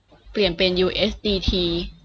เปลี่ยนเป็นยูเอสดีที